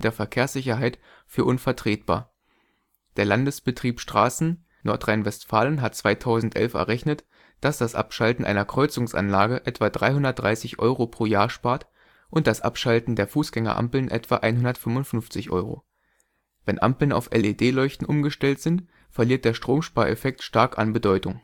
Verkehrssicherheit für unvertretbar. Der Landesbetrieb Straßen.NRW hat 2011 errechnet, dass das Abschalten einer Kreuzungsanlage etwa 330 Euro pro Jahr spart und das Abschalten der Fußgängerampeln etwa 155 Euro. Wenn Ampeln auf LED-Leuchten umgestellt sind, verliert der Stromspareffekt stark an Bedeutung